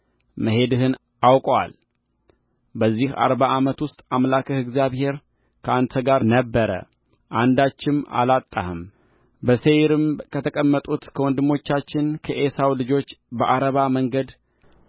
መሄድህን አውቆአል በዚህ አርባ ዓመት ውስጥ አምላክህ እግዚአብሔር ከአንተ ጋር ነበረ አንዳችም አላጣህምበሴይርም ከተቀመጡት ከወንድሞቻችን ከዔሳው ልጆች በዓረባ መንገድ